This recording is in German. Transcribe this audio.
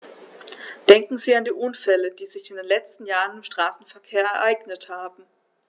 Denken Sie an die Unfälle, die sich in den letzten Jahren im Straßenverkehr ereignet haben.